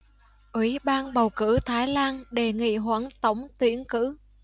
ủy ban bầu cử thái lan đề nghị hoãn tổng tuyển cử